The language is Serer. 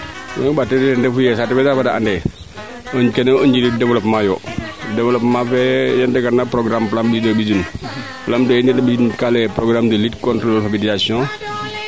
kee bug ma ɓaat teen de ten refuye saate fee daal fada ande o kene o njiriñ developpement yoo developpement fee yeen te gar na programme FLAM 2 fee ɓisiidun FLAM 2 yit yete ɓisiiduna kaa leyee programme de lutte contre l' alphabetisation